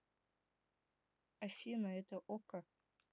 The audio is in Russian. афина это okko